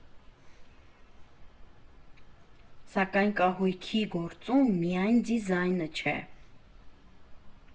Սակայն կահույքի գործում միայն դիզայնը չէ։